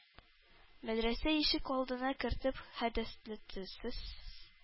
Мәдрәсә ишек алдына кертеп хәдәсләтәсез?